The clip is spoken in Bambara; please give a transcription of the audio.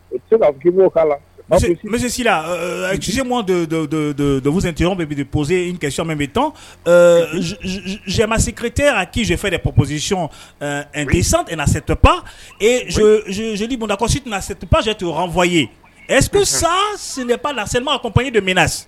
La parcesisi donsosen bɛ psic min bɛ tɔn zmasi kirete kizfɛ de ppsisiɔn san natɔ pan eezodi bɔnsi panzseɔn fɔ ye ɛp sa sen pan la sema panye de bɛ na